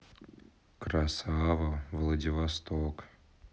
красава владивосток